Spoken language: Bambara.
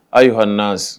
Ayi h